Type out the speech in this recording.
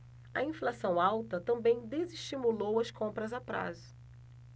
a inflação alta também desestimulou as compras a prazo